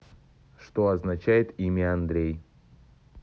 что означает имя андрей